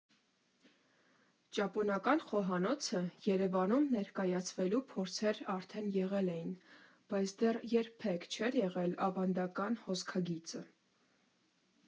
Ճապոնական խոհանոցը Երևանում ներկայացվելու փորձեր արդեն եղել էին, բայց դեռ երբեք չէր եղել ավանդական հոսքագիծը։